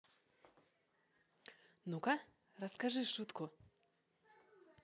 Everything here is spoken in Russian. ну ка расскажи шутку